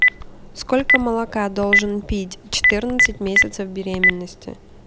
сколько молока должен пить четырнадцать месяцев беременности